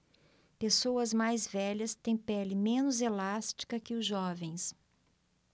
pessoas mais velhas têm pele menos elástica que os jovens